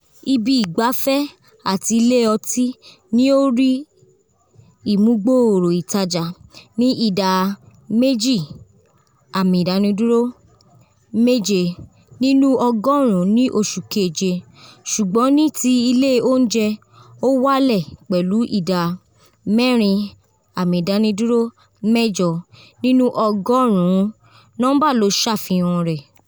Ibi ìgbafẹ́ àti ilé ọtí ni ó rí ìmúgbóòrò ìtajà ní ìda 2.7 nínú ọgọ́rùn-ún ní oṣù keje - ṣùgbọ́n ní ti ilé oúnjẹ, ó wálẹ̀ pẹ̀lú ìdá 4.8 nínú ọgórùn-ún, nọ́ḿbà ló ṣàfihàn rẹ̀.